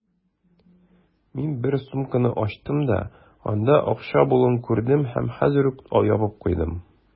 Мин бер сумканы ачтым да, анда акча булуын күрдем һәм хәзер үк ябып куйдым.